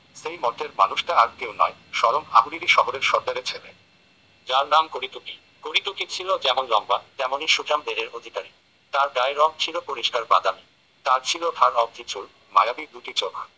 সেই মর্ত্যের মানুষটা আর কেউ নয় স্বয়ং আহুরিরি শহরের সর্দারে ছেলে যার নাম করিটুকি করিটুকি ছিল যেমন লম্বা তেমনই সুঠাম দেহের অধিকারী তার গায়ের রং ছিল পরিষ্কার বাদামি তার ছিল ঘাড় অব্ধি চুল মায়াবী দুটি চোখ